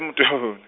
e motho ho hona.